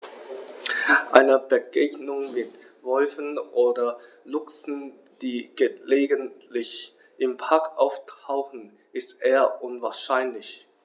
Eine Begegnung mit Wölfen oder Luchsen, die gelegentlich im Park auftauchen, ist eher unwahrscheinlich.